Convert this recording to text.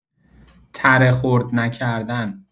تره خرد نکردن